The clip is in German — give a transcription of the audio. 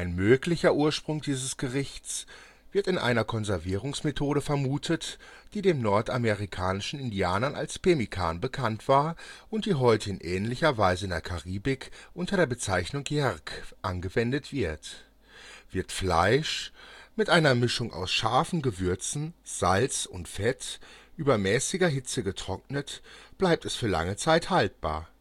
möglicher Ursprung dieses Gerichts wird in einer Konservierungsmethode vermutet, die den nordamerikanischen Indianern als Pemmikan bekannt war und die heute in ähnlicher Weise in der Karibik unter der Bezeichnung Jerk angewendet wird: Wird Fleisch mit einer Mischung aus scharfen Gewürzen, Salz und Fett über mäßiger Hitze getrocknet, bleibt es für lange Zeit haltbar